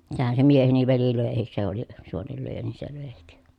sehän se mieheni veli löikin se oli suonenlyöjä niin se löikin